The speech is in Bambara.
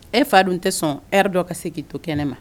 E fa dun tɛ sɔn e dɔn ka se k'i to kɛnɛ ne ma